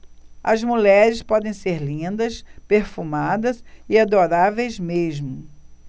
as mulheres podem ser lindas perfumadas e adoráveis mesmo